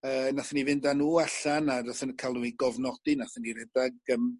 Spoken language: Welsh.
yy nathon ni fynd â n'w allan a nathon ni ca'l n'w i gofnodi nathon ni redag yym